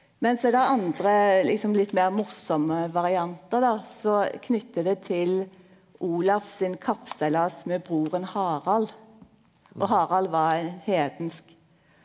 men så er det andre liksom litt meir morosame variantar då som knyter det til Olav sin kappseglas med broren Harald og Harald var hedensk.